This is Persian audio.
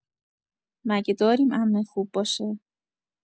مگه داریم عمه خوب باشه؟